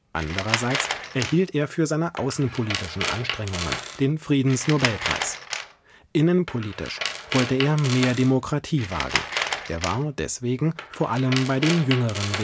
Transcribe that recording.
Andererseits erhielt er für seine außenpolitischen Anstrengungen den Friedensnobelpreis. Innenpolitisch wollte er „ mehr Demokratie wagen “; er war deswegen vor allem bei den jüngeren